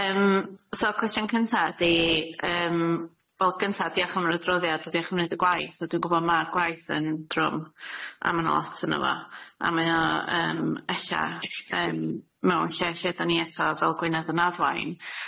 Yym so cwestiwn cynta ydi yym wel gynta diolch am yr adroddiad a diolch am wneud y gwaith a dwi'n gwbo ma'r gwaith yn drwm a ma' na lot yno fo a mae o yym ella yym mewn lle lle do'n i eto fel gweinydd yn arwain.